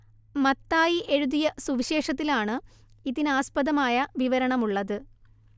മത്തായി എഴുതിയ സുവിശേഷത്തിലാണ് ഇതിനാസ്പദമായ വിവരണമുള്ളത്